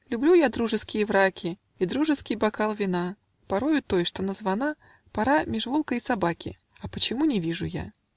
(Люблю я дружеские враки И дружеский бокал вина Порою той, что названа Пора меж волка и собаки, А почему, не вижу я.